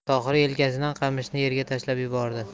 tohir yelkasidan qamishni yerga tashlab yubordi